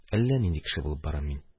Әллә нинди кеше булып барам мин.